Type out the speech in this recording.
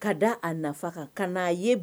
Ka d a nafa ka ka n' a ye